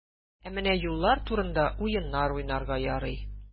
Ә менә юллар турында уеннар уйнарга ярый.